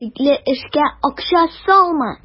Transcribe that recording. Шикле эшкә акча салма.